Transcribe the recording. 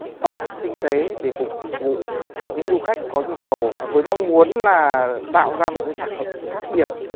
ẩm thực tinh tế để phục vụ ở những du khách có nhu cầu với mong muốn là tạo ra một sản phẩm sự khác biệt